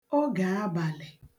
ogè abàlị̀